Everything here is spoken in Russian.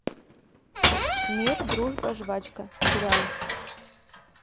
мир дружба жвачка сериал